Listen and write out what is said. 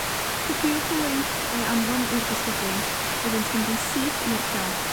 Copïwch y linc, a'i anfon i'r disgyblion, iddynt fynd yn syth i'r prawf.